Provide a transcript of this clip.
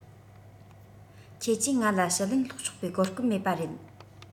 ཁྱེད ཀྱིས ང ལ ཞུ ལན བསློགས ཆོག པའི གོ སྐབས མེད པ རེད